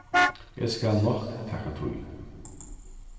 eg skal nokk taka tíð